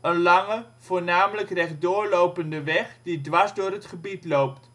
Een lange, voornamelijk rechtdoor lopende weg die dwars door het gebied loopt